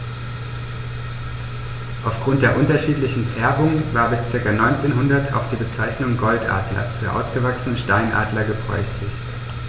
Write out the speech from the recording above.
Auf Grund der unterschiedlichen Färbung war bis ca. 1900 auch die Bezeichnung Goldadler für ausgewachsene Steinadler gebräuchlich.